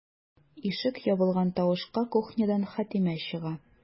Ишек ябылган тавышка кухнядан Хәтимә чыга.